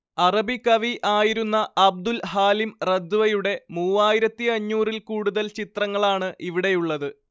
അറബികവി ആയിരുന്ന Abdul Halim റദ്വയുടെ മൂവായിരത്തിയഞ്ഞൂറിൽ കൂടുതൽ ചിത്രങ്ങളാണ് ഇവിടെയുള്ളത്